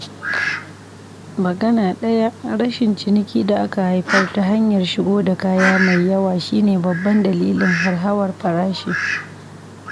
Magana daya, rashi ciniki da aka haifar ta hanyar shigo da kaya mai yawa shi ne babban dalilin hauhawar farashi.